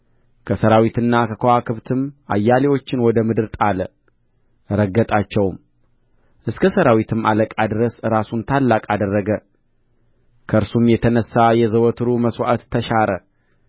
ከሠራዊትና ከከዋክብትም አያሌዎችን ወደ ምድር ጣለ ረገጣቸውም እስከ ሠራዊትም አለቃ ድረስ ራሱን ታላቅ አደረገ ከእርሱም የተነሣ የዘወትሩ መሥዋዕት ተሻረ